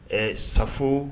Ɛɛ safo